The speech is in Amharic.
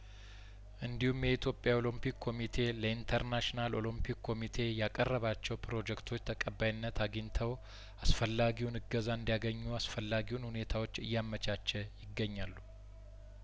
እንዲሁም የኢትዮጵያ ኦሎምፒክ ኮሚቴ ለኢንተርናሽናል ኦሎምፒክ ኮሚቴ ያቀረባቸው ፕሮጀክቶች ተቀባይነት አግኝተው አስፈላጊውን እገዛ እንዲያገኙ አስፈላጊውን ሁኔታዎች እያመቻቸ ይገኛሉ